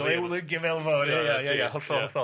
Glewlyg Gyfaelfawr ia ia ia hollol hollol.